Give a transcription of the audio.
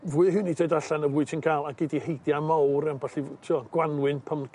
fwy o heini tyd allan y fwy ti'n ca'l a gei di heidia' mawr amball i t'wo' Gwanwyn pan cyn n'w allan i nythu.